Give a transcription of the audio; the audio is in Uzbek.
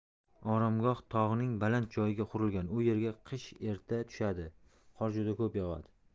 oromgoh tog'ning baland joyiga qurilgan u yerga qish erta tushadi qor juda ko'p yog'adi